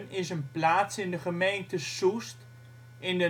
is een plaats in de gemeente Soest in